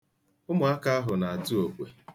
Ụmụaka ahụ na-atụ okwe.